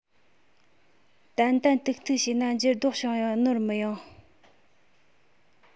བརྟན བརྟན ཏིག ཏིག བྱས ན འགྱུར ལྡོག བྱུང ཡང ནོར མི ཡོང